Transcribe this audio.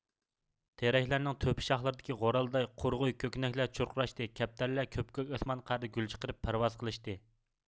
تېرەكلەرنىڭ تۆپە شاخلىرىدىكى غورالداي قۇرغۇي كۆكىنەكلەر چۇرقۇراشتى كەپتەرلەر كۆپكۆك ئاسمان قەرىدە گۈل چىقىرىپ پەرۋاز قىلىشتى